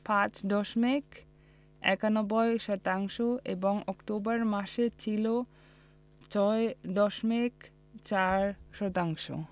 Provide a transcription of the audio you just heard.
৫ দশমিক ৯১ শতাংশ এবং অক্টোবর মাসে ছিল ৬ দশমিক ০৪ শতাংশ